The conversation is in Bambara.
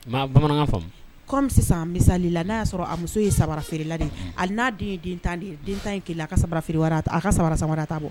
Misalila n'a'a sɔrɔ a muso ye samara feerela a n'a den tan tan kila ka sama feere a ka samara sama ta bɔ